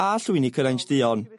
a llwyni cyraints duon.